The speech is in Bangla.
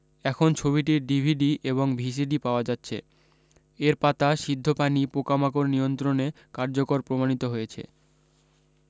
এখন ছবিটির ডিভিডি এবং ভিসিডি পাওয়া যাচ্ছে এর পাতা সিদ্ধ পানি পোকামাকড় নিয়ন্ত্রণে কার্যকর প্রমাণিত হয়েছে